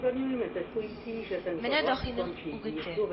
Менә даһиның үгете